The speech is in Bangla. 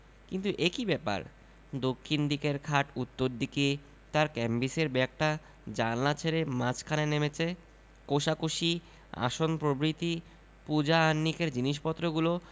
কিন্তু এ কি ব্যাপার দক্ষিণ দিকের খাট উত্তর দিকে তাঁর ক্যাম্বিসের ব্যাগটা জানালা ছেড়ে মাঝখানে নেমেচে কোষাকুষি আসন প্রভৃতি পূজা আহ্নিকের জিনিসপত্রগুলো